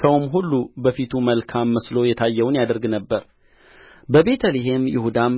ሰውም ሁሉ በፊቱ መልካም መስሎ የታየውን ያደርግ ነበር በቤተ ልሔም ይሁዳም